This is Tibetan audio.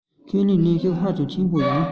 ཁས ལེན གནོན ཤུགས ཧ ཅང ཆེན པོ ཡིན